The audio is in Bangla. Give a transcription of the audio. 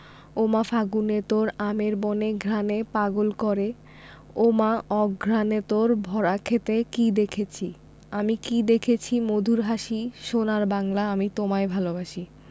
ওমা ফাগুনে তোর আমের বনে ঘ্রাণে পাগল করে ওমা অঘ্রানে তোর ভরা ক্ষেতে কী দেখসি আমি কী দেখেছি মধুর হাসি সোনার বাংলা আমি তোমায় ভালোবাসি